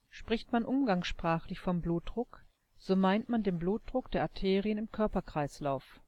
Spricht man umgangssprachlich vom Blutdruck, so meint man den Blutdruck der Arterien im Körperkreislauf